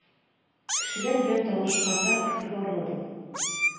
Кешеләр белән танышканда игътибарлы бул.